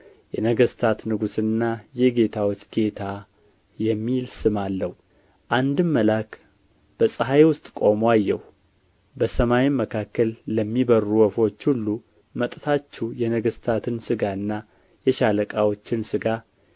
የነገሥታት ንጉሥና የጌታዎች ጌታ የሚል ስም አለው አንድም መልአክ በፀሐይ ውስጥ ቆሞ አየሁ በሰማይም መካከል ለሚበሩ ወፎች ሁሉ መጥታችሁ የነገሥታትን ሥጋና የሻለቃዎችን ሥጋ